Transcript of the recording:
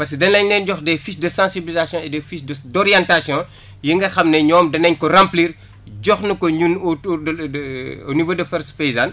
parce que dinañ leen jox des des fiches des sensibilisation et des fiches de d' orientation yi nga xam ne ñoom danañ ko remplir jox ñu ko ñun au au niveau de force paysane